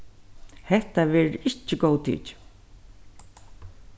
hetta verður ikki góðtikið